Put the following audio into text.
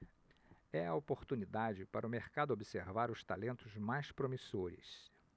é a oportunidade para o mercado observar os talentos mais promissores